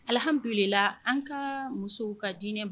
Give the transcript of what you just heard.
Alihamdulahi an ka musow ka diinɛ